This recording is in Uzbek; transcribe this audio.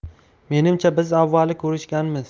menimcha biz avvallari ko'rishganmiz